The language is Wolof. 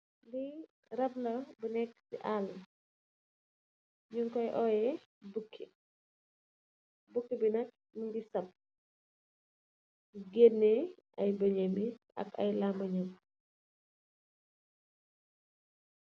Li rap la bu nekka ci al'labi ñiñ Koy óyeh bukki, bukki bi nat mungi sap, gèneh ay bañam yi ak ay lamèñam.